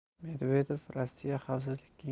medvedev rossiya xavfsizlik